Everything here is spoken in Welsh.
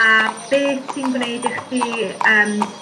A beth sy'n gwneud i chdi yym